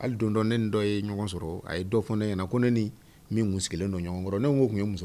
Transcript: Hali don dɔn ne dɔ ye ɲɔgɔn sɔrɔ a ye dɔ fɔ ne ɲɛna na ko ne min tun sigilen don ɲɔgɔnkɔrɔ ne ko tun ye muso